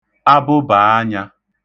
abụbàanyā